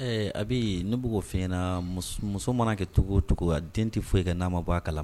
Abi ne bɛ k'o fo e ɲɛna muso mana kɛ cogo o cogo a den tɛ foyi ka n'a ma bɔ a kalama.